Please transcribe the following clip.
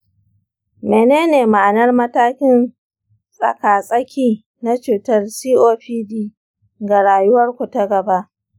menene ma'anar matakin tsaka-tsaki na cutar copd ga rayuwarku ta gaba?